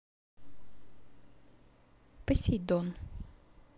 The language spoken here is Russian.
посейдон